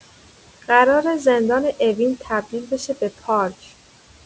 قراره زندان اوین تبدیل بشه به پارک.